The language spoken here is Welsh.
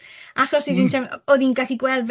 Achos oedd hi'n teimlo...O- Oedd hi'n gallu gweld fel